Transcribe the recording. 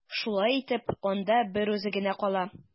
Шулай итеп, анда берүзе генә кала.